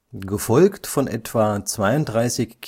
gefolgt von etwa 32